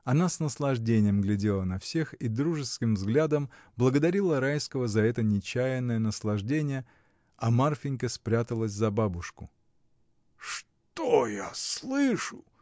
Она с наслаждением глядела на всех и дружеским взглядом благодарила Райского за это нечаянное наслаждение, а Марфинька спряталась за бабушку. — Что я слышу!